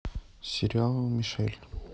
сериал мишель